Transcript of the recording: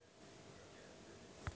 спасибо переключи на телевидение